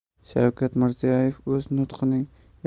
shavkat mirziyoyev o'z nutqining